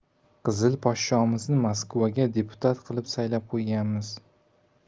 qizil poshshomizni maskovga deputat qilib saylab qo'yganmiz